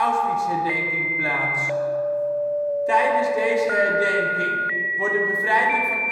Auschwitzherdenking plaats. Tijdens deze herdenking wordt de bevrijding van